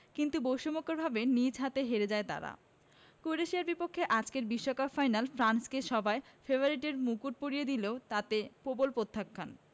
কিন্তু বিস্ময়করভাবে নিজ হাতে হেরে যায় তারা ক্রোয়েশিয়ার বিপক্ষে আজকের বিশ্বকাপ ফাইনালে ফ্রান্সকে সবাই ফেভারিটের মুকুট পরিয়ে দিলেও তাতে প্রবল প্রত্যাখ্যান